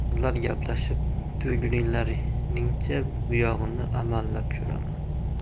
sizlar gaplashib turgunlaringcha buyog'ini amallab ko'raman